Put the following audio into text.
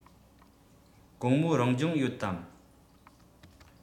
དགོང མོ རང སྦྱོང ཡོད དམ